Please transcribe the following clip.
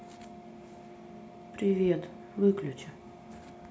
привет выключи